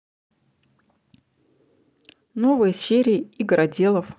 новые серии игроделов